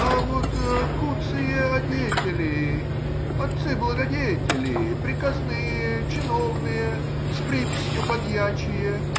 — А вот куцые одетели, отцы благодетели, приказные, чиновные, с приписью подьячие.